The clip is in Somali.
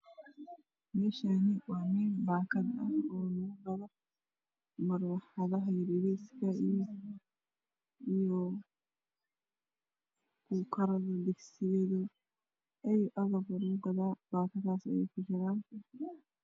Meeshaan waa meel bakada oo lugu gado marawaxadaha iyo miiska iyo kuukarada ayi agab waa lugu gadaa baakadahaas ayay kujiraan.